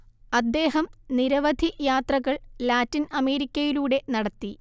അദ്ദേഹം നിരവധി യാത്രകൾ ലാറ്റിൻ അമേരിക്കയിലൂടെ നടത്തി